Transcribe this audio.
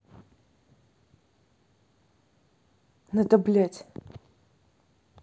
но это блядь